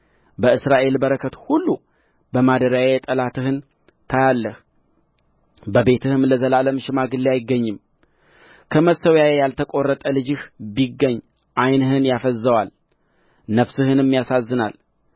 በእስራኤል በረከት ሁሉ በማደሪያዬ ጠላትህን ታያለህ በቤትህም ለዘላለም ሽማግሌ አይገኝም ከመሠዊያዬ ያልተቈረጠ ልጅህ ቢገኝ ዓይንህን ያፈዝዘዋል ነፍስህንም ያሳዝናል